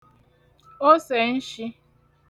osè nshī